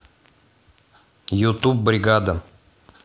ютуб бригада